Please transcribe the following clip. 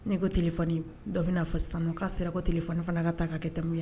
N'i ko t tile dɔ' sisan k'a sera ko tele fana ka taa' kɛ tɛmɛmu ye